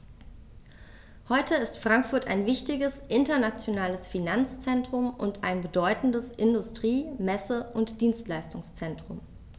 Heute ist Frankfurt ein wichtiges, internationales Finanzzentrum und ein bedeutendes Industrie-, Messe- und Dienstleistungszentrum.